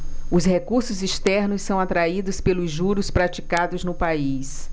os recursos externos são atraídos pelos juros praticados no país